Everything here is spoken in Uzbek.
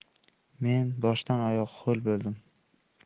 men boshdan oyoq ho'l bo'ldim